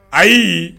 Ayi